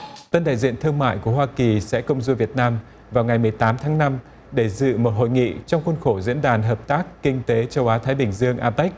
tân đại diện thương mại của hoa kỳ sẽ công du việt nam vào ngày mười tám tháng năm để dự một hội nghị trong khuôn khổ diễn đàn hợp tác kinh tế châu á thái bình dương a bếch